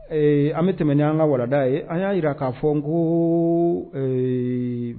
Eee an bɛ tɛmɛen an ka warada ye an y'a jira k'a fɔ n ko